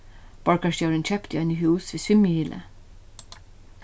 borgarstjórin keypti eini hús við svimjihyli